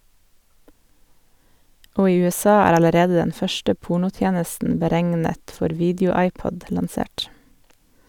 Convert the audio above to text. Og i USA er allerede den første pornotjenesten beregnet for video-iPod lansert.